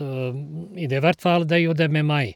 I det hvert fall det gjorde det med meg.